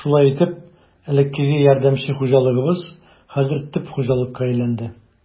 Шулай итеп, элеккеге ярдәмче хуҗалыгыбыз хәзер төп хуҗалыкка әйләнде.